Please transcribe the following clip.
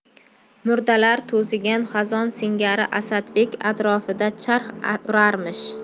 murdalar to'zigan xazon singari asadbek atrofida charx urarmish